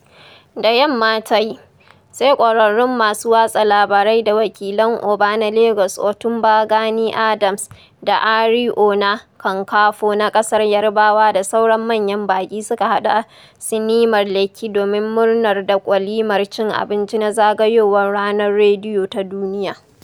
Da yamma ta yi, sai ƙwararrun masu watsa labarai da wakilan Oba na Lagos Ọ̀túnba Gani Adams da Ààrẹ Ọ̀nà Kakanfò na ƙasar Yarbawa da sauran manyan baƙi suka haɗu a sinimar Lekki domin murnar da walimar cin abinci na zagayowar Ranar Rediyo Ta Duniya.